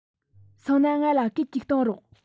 སོང ན ང ལ སྐད ཅིག གཏོང རོགས